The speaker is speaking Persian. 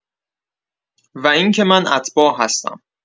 و اینکه من اتباع هستم.